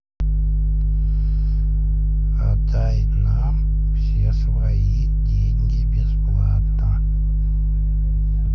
отдай нам все свои деньги бесплатно